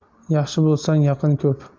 yaxshi bo'lsang yaqin ko'p